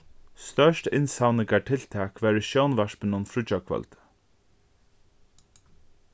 stórt innsavningartiltak var í sjónvarpinum fríggjakvøldið